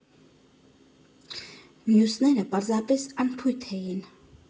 Մյուսները պարզապես անփույթ էին։